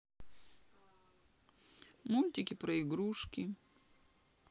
мультики про игрушки